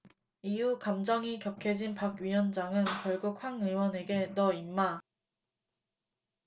이후 감정이 격해진 박 위원장은 결국 황 의원에게 너 임마